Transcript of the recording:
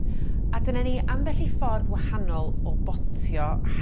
A dyna ni ambell i ffordd wahanol o botio